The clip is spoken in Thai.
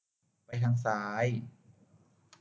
ไปทางซ้าย